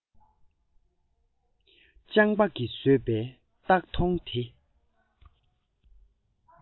སྤྱང པགས ཀྱིས བཟོས པའི སྟག དོང དེ